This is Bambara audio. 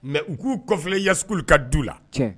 Mɛ u k'u kɔfilɛ yasso ka duu la